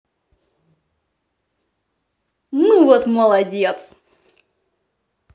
ну вот молодец